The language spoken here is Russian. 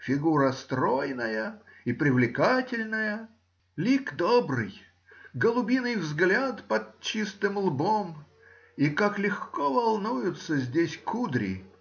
фигура стройная и привлекательная, лик добрый, голубиный взгляд под чистым лбом, и как легко волнуются здесь кудри